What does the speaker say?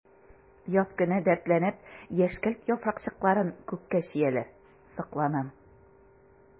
Яз көне дәртләнеп яшькелт яфракчыкларын күккә чөяләр— сокланам.